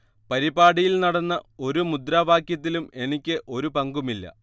പരിപാടിയിൽ നടന്ന ഒരു മുദ്രാവാക്യത്തിലും എനിക്ക് ഒരു പങ്കുമില്ല